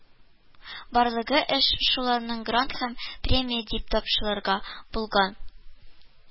Барлыгы эш, шуларның “грант” һәм “премия” дип тапшырылган булган